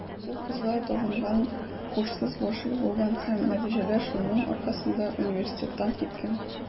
Ул кызга табынган, һушсыз гашыйк булган һәм, нәтиҗәдә, шуның аркасында университеттан киткән.